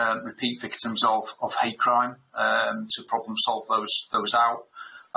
yy repeat victims of of hate crime yym to problem solve those those out.